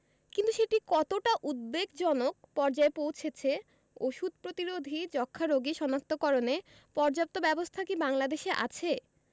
কিন্তু সেটি কতটা উদ্বেগজনক পর্যায়ে পৌঁছেছে ওষুধ প্রতিরোধী যক্ষ্মা রোগী শনাক্তকরণে পর্যাপ্ত ব্যবস্থা কি বাংলাদেশে আছে